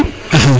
axa